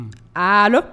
Ala